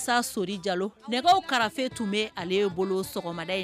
Sori Jalo nɛgɛw karafe tun bɛ ale bolo sɔgɔma da ye